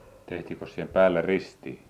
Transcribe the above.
tehtiinkös siihen päälle ristiä